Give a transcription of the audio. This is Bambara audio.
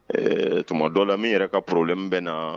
Ɛɛ tuma dɔ la min yɛrɛ ka porolen bɛ na